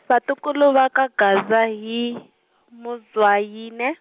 vatukulu va ka Gaza hi, Muzwayine.